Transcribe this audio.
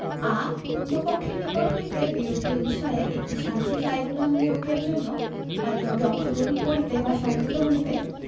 আ অন্য পক্ষের নিকট হইতে বিরোধীয় বিষয়ে একটি সালিসী ট্রাইব্যুনাল নিয়োগের জন্য বা নিয়োগে অংশগ্রহণ করিতে বা সম্মত হইতে